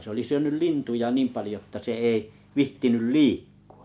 se oli syönyt lintuja niin paljon että se ei viitsinyt liikkua